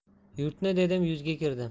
yurtni dedim yuzga kirdim